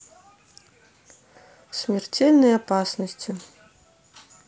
в смертельной опасности